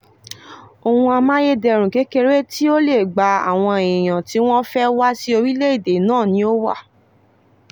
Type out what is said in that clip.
Ohun amáyédẹrùn kékeré tí ó lè gba àwọn èèyàn tí wọ́n fẹ́ wá sí orílẹ̀-èdè náà ni ó wà.